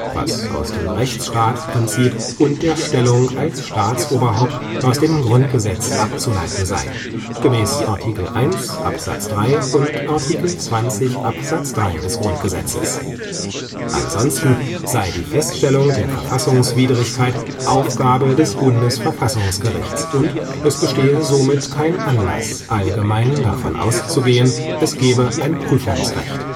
was aus dem Rechtsstaatsprinzip und der Stellung als Staatsoberhaupt aus dem Grundgesetz abzuleiten sei, gemäß Art. 1 Abs. 3 und Art. 20 Abs. 3 GG. Ansonsten sei die Feststellung der Verfassungswidrigkeit Aufgabe des Bundesverfassungsgerichts und es bestehe somit kein Anlass, allgemein davon auszugehen, es gebe ein Prüfungsrecht